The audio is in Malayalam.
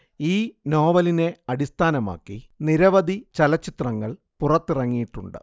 ഈ നോവലിനെ അടിസ്ഥാനമാക്കി നിരവധി ചലച്ചിത്രങ്ങൾ പുറത്തിറങ്ങിയിട്ടുണ്ട്